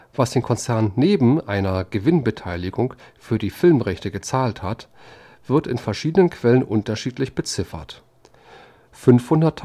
Was der Konzern neben einer Gewinnbeteiligung für die Filmrechte gezahlt hat, wird in verschiedenen Quellen unterschiedlich beziffert: 500.000